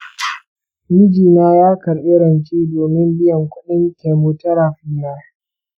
mijina ya karɓi rance domin biyan kuɗin chemotherapy na.